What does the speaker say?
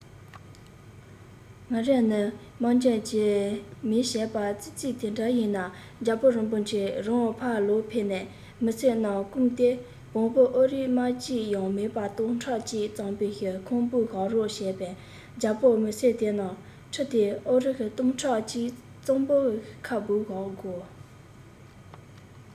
ང རས ནི དམག འཇོན གྱི མེད བྱས པས ཙི ཙིས དེ འདྲ ཡིན ན རྒྱལ པོ རིན པོ ཆེ རང ཕར ལོག ཕེབས ནས མི སེར རྣམས སྐུལ ཏེ བོང བུའི ཨོག རིལ རྨ ཅིག ཡང མེད པ སྟོང ཕྲག གཅིག གཙང པོའི ཁར སྤུངས བཞག རོགས བྱས པས རྒྱལ པོས མི སེར དེ རྣམས ཁྲིད དེ ཨོག རིལ སྟོང ཕྲག གཅིག གཙང པོའི ཁར སྤུངས བཞག གོ